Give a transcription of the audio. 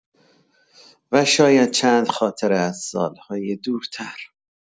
و شاید چند خاطره از سال‌های دورتر.